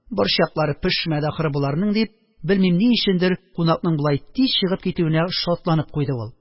Борчаклары пешмәде, ахры, боларның», – дип, белмим ни өчендер кунакның болай тиз чыгып китүенә шатланып куйды ул